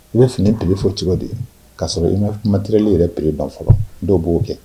U f ye pirifo cogo de ye k ka'a sɔrɔ i bɛ matireli yɛrɛ pere dan fɔlɔ dɔw b'o kɛ